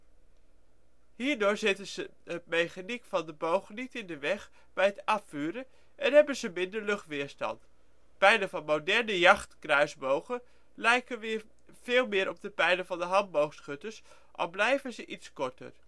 Hierdoor zitten ze het mechaniek van de boog niet in de weg bij het afvuren en hebben ze minder luchtweerstand. Pijlen van moderne jachtkruisbogen lijken weer veel meer op de pijlen van handboogschutters, al blijven ze iets korter